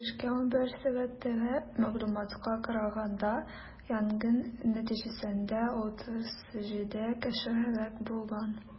23:00 сәгатьтәге мәгълүматка караганда, янгын нәтиҗәсендә 37 кеше һәлак булган.